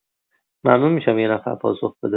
ممنون می‌شم یک نفر پاسخ بده